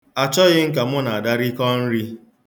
Achọghị m ka mụ na Ada rikọọ nri.